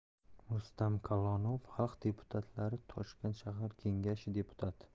rustam kalonov xalq deputatlari toshkent shahar kengashi deputati